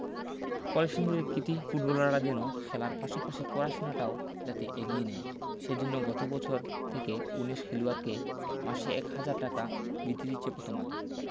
কলসিন্দুরের কিতী ফুটবলাররা যেন খেলার পাশাপাশি পড়াশোনাটাও যাতে এগিয়ে নেয় সে জন্য গত বছর থেকে ১৯ খেলুয়াড়কে মাসে ১ হাজার টাকা বিত্তি দিচ্ছে পতম আলো